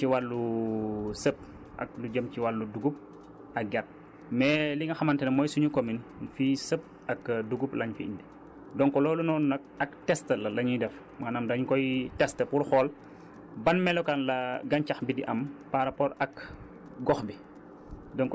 lu jëm ci wàllu sëb ak lu jëm ci wàllu dugub ak gerte mais li nga xamante ne mooy suñu commune fii sëb ak dugub lañ fi indi donc loolu noonu nag ak test la la ñuy def maanaam dañ koy testé pour xool ban melokaan la gàncax bi di am par rapport ak gox bi